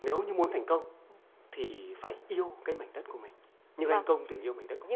nếu như muốn thành công thì phải yêu cái mảnh đất của mình như anh công từng yêu mảnh đất của mình